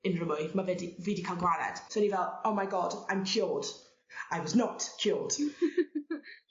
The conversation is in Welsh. Unryw mwy ma' fe 'di fi 'di ca'l gwared so o'n i fel oh my god I'm cured. I was not cured.